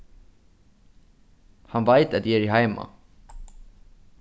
hann veit at eg eri heima